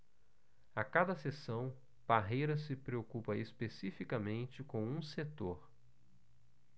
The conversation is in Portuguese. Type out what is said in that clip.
a cada sessão parreira se preocupa especificamente com um setor